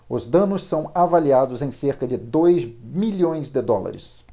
os danos são avaliados em cerca de dois milhões de dólares